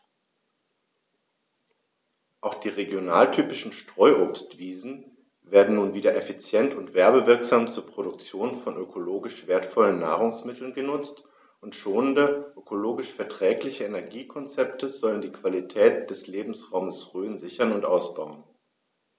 Auch die regionaltypischen Streuobstwiesen werden nun wieder effizient und werbewirksam zur Produktion von ökologisch wertvollen Nahrungsmitteln genutzt, und schonende, ökologisch verträgliche Energiekonzepte sollen die Qualität des Lebensraumes Rhön sichern und ausbauen.